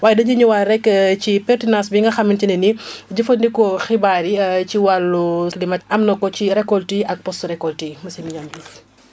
waaye dañuy ñëwaat rek ci pertinance bi nga xamante ne nii jëfandikoo xibaar yi ci wàllu climat am na ko ci récolte yi ak post récolte yi monsieur Mignane Diouf